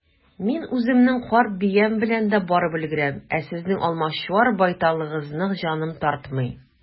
Мин үземнең карт биям белән дә барып өлгерәм, ә сезнең алмачуар байталыгызны җаным тартмый.